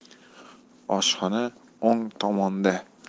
oshxona o'ng tomonda